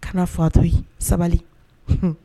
Kana fatɔ sabali